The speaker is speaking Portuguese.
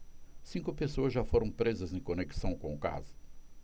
cinco pessoas já foram presas em conexão com o caso